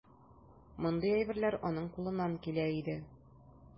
Мондый әйберләр аның кулыннан килә иде.